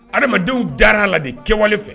Adamadenw dar'a la de kɛwale fɛ.